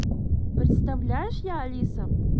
представляешь я алиса